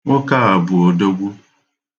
Nwoke a bụ odogwu.